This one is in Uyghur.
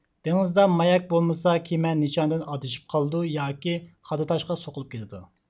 دېڭىزدا ماياك بولمىسا كېمە نىشاندىن ئادىشىپ قالىدۇ ياكى خادا تاشقا سوقۇلۇپ كېتىدۇ